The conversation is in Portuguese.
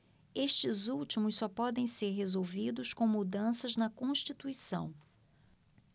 estes últimos só podem ser resolvidos com mudanças na constituição